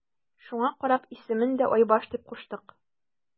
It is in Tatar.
Шуңа карап исемен дә Айбаш дип куштык.